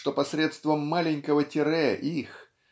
что посредством маленького тире их